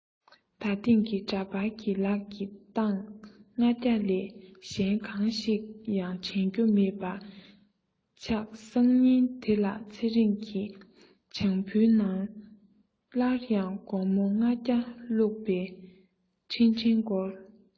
ད ཐེངས ཀྱི འདྲ པར གྱི ལག གི སྟངས ལྔ བརྒྱ ལས གཞན གང ཞིག ཡང དྲན རྒྱུ མེད པར ཆག སང ཉིན དེ ལ ཚེ རིང གི བྱང བུའི ནང སླར ཡང སྒོར མོ ལྔ བརྒྱ བླུག པའི འཕྲིན ཕྲན འབྱོར